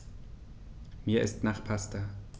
Mir ist nach Pasta.